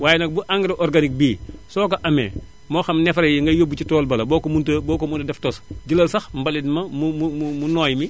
waaye nag bu engrais organique bii soo ko amee moo xam neefare yi ngay yóbbu ci tool ba la boo ko mën ta boo ko mën ta mën a def tos jëlal sax mbalit ma mu mu mu mu nooy yi